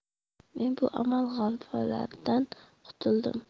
men bu amal g'alvalaridan qutuldim